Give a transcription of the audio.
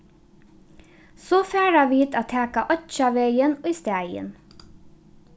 so fara vit at taka oyggjarvegin í staðin